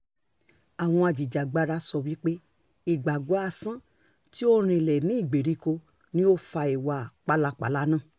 Àwọn ajìjàngbara sọ wípé ìgbàgbọ́-asán tí ó rinlẹ̀ ní ìgbèríko ni ó ń fa ìwà pálapalà náà.